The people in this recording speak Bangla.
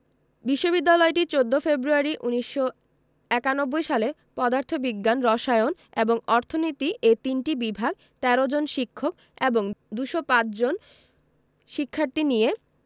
বিশ্ববিদ্যালয়টি ১৪ ফেব্রুয়ারি ১৯৯১ সালে পদার্থ বিজ্ঞান রসায়ন এবং অর্থনীতি এ তিনটি বিভাগ ১৩ জন শিক্ষক এবং ২০৫ জন শিক্ষার্থী নিয়ে